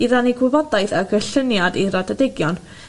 i rannu gwybodaeth ag ylluniad i 'radadigion